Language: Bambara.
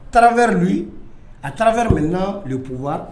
A taarariw a taarariw puwa